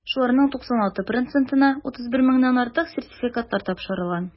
Шуларның 96 процентына (31 меңнән артык) сертификатлар тапшырылган.